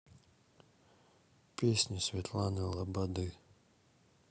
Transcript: песни светланы лободы